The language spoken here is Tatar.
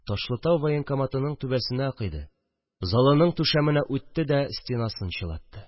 Ташлытау военкоматының түбәсенә койды, залының түшәменә үтте дә, стенасын чылатты.